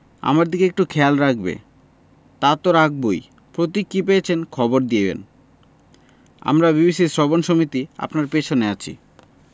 আমার দিকে একটু খেয়াল রাখবে তা তো রাখবোই প্রতীক কি পেয়েছেন খবর দিবেন আমরা বিবিসি শ্রবণ সমিতি আপনার পেছনে আছি